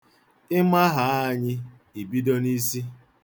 Ị mahaa anyị, i bido n'isi.